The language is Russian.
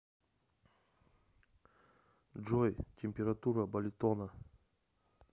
джой температура болитона